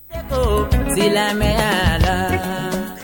Den tileyara la